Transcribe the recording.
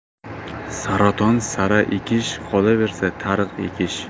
saraton sara ekish qolaversa tariq ekish